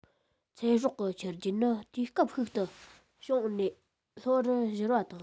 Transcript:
ཚེ སྲོག གི ཆུ རྒྱུན ནི དུས སྐབས ཤིག ཏུ བྱང ནས ལྷོ རུ བཞུར བ དང